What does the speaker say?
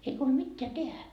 ei huoli mitään tehdä